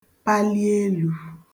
pali elū